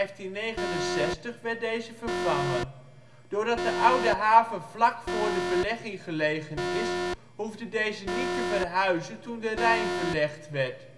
1526 en 1569 werd deze vervangen. Doordat de Oude Haven vlak voor de verlegging gelegen is, hoefde deze niet te verhuizen toen de Rijn verlegd werd